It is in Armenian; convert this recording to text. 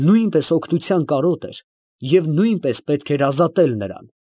Նույնպես օգնության կարոտ էր, նույնպես պետք էր ազատել նրան։